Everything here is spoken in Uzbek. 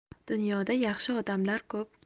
dunyoda yaxshi odamlar ko'p